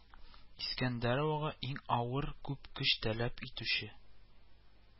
Искәндәровага иң авыр, күп көч таләп итүче